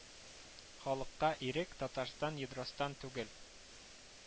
Халыкка ирек , Татарстан едростан түгел